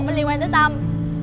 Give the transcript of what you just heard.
có liên quan tới tăm